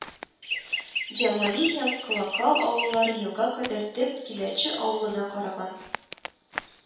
Җамали һәм Колакау авыллары елга кадәр төп Киләче авылына караган